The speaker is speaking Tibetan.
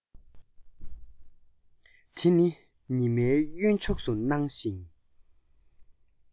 དེ ནི ཉི མའི གཡོན ཕྱོགས སུ སྣང ཞིང